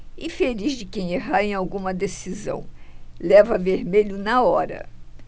infeliz de quem errar em alguma decisão leva vermelho na hora